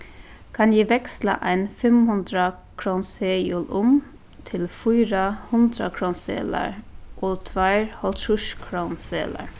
kann eg veksla ein fimmhundraðkrónuseðil um til fýra hundraðkrónuseðlar og tveir hálvtrýsskrónuseðlar